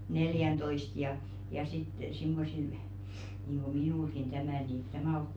neljäntoista ja ja sitten semmoisilla niin kuin minullakin tämä niin tämä ole kuin